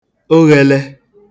oghēlē